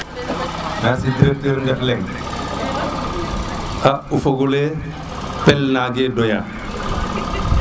merci directeur ndef lenga o fogo le pel nange doya